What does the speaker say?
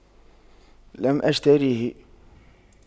لم أشتريه